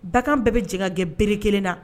Dagakan bɛɛ bɛ j gɛn bereeleere kelen na